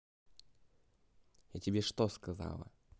я тебе что сказала